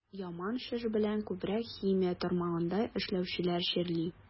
Яман шеш белән күбрәк химия тармагында эшләүчеләр чирли.